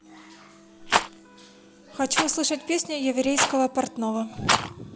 хочу услышать песню еврейского портного